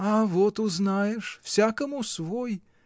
— А вот узнаешь: всякому свой!